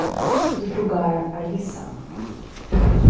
другая алиса